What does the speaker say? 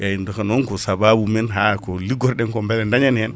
eyyi deehe non ko saababu men hako liggoto ɗen ko beele dañen hen